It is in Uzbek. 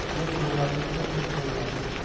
yer to'ymaguncha el to'ymas